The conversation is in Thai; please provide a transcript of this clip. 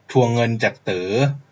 ทวงเงินจากเต๋อ